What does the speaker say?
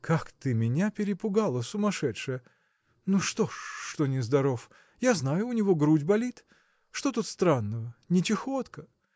– Как ты меня перепугала, сумасшедшая! Ну что ж, что нездоров? я знаю, у него грудь болит. Что тут страшного? не чахотка!